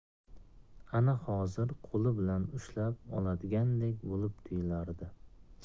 ana hozir qo'li bilan ushlab oladigandek bo'lib tuyulardi